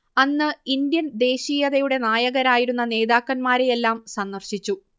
അന്ന് ഇൻഡ്യൻ ദേശീയതയുടെ നായകരായിരുന്ന നേതാക്കന്മാരെയെല്ലാം സന്ദർശിച്ചു